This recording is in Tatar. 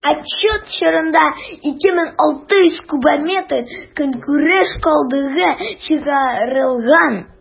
Отчет чорында 2600 кубометр көнкүреш калдыгы чыгарылган.